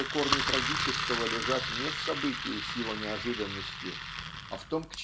что корни трагического лежат не в событии с его неожиданностью а в том